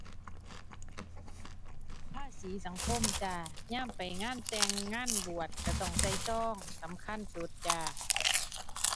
ภาษีสังคมจ้า ยามไปงานแต่ง งานบวชก็ต้องใส่ซอง สำคัญสุดจ้า